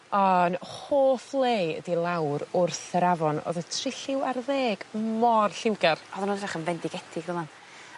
O 'yn hoff le ydi lawr wrth yr afon o'dd y Trilliw ar Ddeg mor lliwgar. Oddan n'w edrych yn fendigedig ddydan?